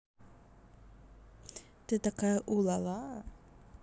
ты такая улалала